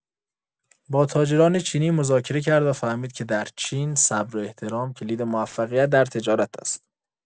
با تاجران چینی مذاکره کرد و فهمید که در چین، صبر و احترام کلید موفقیت در تجارت است.